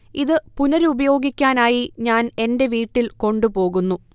ഇത് പുനരുപയോഗിക്കാനായി ഞാൻ എന്റെ വീട്ടിൽ കൊണ്ട് പോകുന്നു